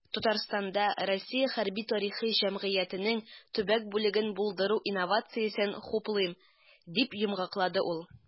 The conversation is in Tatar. "татарстанда "россия хәрби-тарихи җәмгыяте"нең төбәк бүлеген булдыру инициативасын хуплыйм", - дип йомгаклады ул.